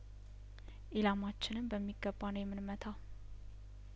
ኢላማችንን በሚገባ ነው የምንመታው